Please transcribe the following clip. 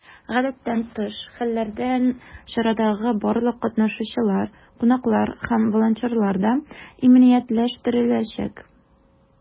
Гадәттән тыш хәлләрдән чарадагы барлык катнашучылар, кунаклар һәм волонтерлар да иминиятләштереләчәк.